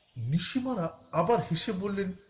নিশি মারা আবার হেসে বললেন